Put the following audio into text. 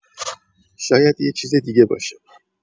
شاید یه چیز دیگه باشه